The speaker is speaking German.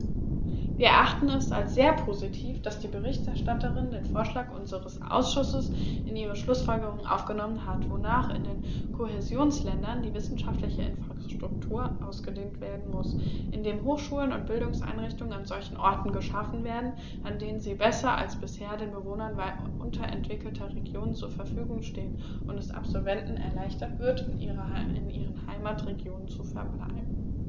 Wir erachten es als sehr positiv, dass die Berichterstatterin den Vorschlag unseres Ausschusses in ihre Schlußfolgerungen aufgenommen hat, wonach in den Kohäsionsländern die wissenschaftliche Infrastruktur ausgedehnt werden muss, indem Hochschulen und Bildungseinrichtungen an solchen Orten geschaffen werden, an denen sie besser als bisher den Bewohnern unterentwickelter Regionen zur Verfügung stehen, und es Absolventen erleichtert wird, in ihren Heimatregionen zu verbleiben.